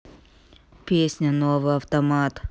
песня новый автомат